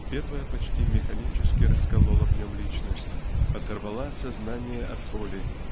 первая почти механически расколола в нем личность оторвала сознание от воли